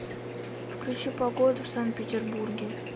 включи погоду в санкт петербурге